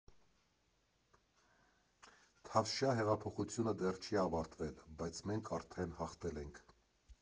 Թավշյա հեղափոխությունը դեռ չի ավարտվել, բայց մենք արդեն հաղթել էնք։